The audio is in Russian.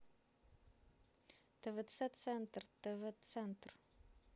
твц центр тв центр